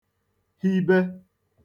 hibe